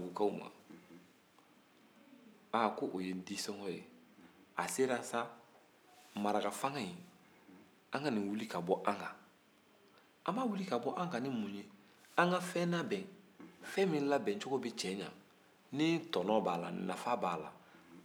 ah ko o ye disɔngɔ ye kɛ a sera sa marakafanga in an ka nin wuli k'a bɔ an kan an b'a wuli k'a bɔ an kan ni mun ye an ka fɛn labɛn fɛn min labɛncogo bɛ cɛ ɲɛ ni tɔnɔ b'a la nafa b'a la